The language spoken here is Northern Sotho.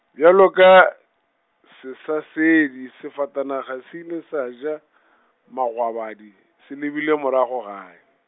bjalo ka, sesasedi sefatanaga se ile sa ja, magwabadi se lebile morago gae.